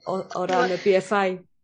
o o ran y Bee Eff I?